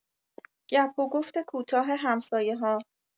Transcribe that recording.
گپ و گفت کوتاه همسایه‌ها